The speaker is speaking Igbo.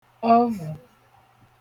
ọvụ̀